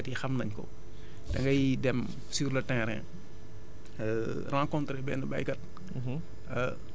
pour wax la ni rek baykat yi xam nañ ko da ngay dem sur le terrain rencontré benn béykat